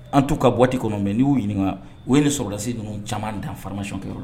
An t'u ka boite kɔnɔ mais n'i y'u ɲininka, u ye nin sɔrɔsi ninnu caaman dan formation kɛ yɔrɔ la.